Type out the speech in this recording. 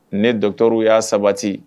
Ne dɔ dɔgɔtɔrɔw y'a sabati